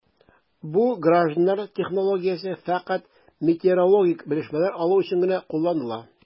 Бу гражданнар технологиясе фәкать метеорологик белешмәләр алу өчен генә кулланыла...